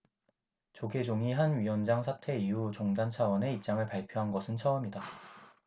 조계종이 한 위원장 사태 이후 종단 차원의 입장을 발표한 것은 처음이다